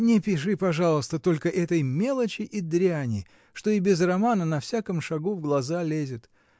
— Не пиши, пожалуйста, только этой мелочи и дряни, что и без романа на всяком шагу в глаза лезет.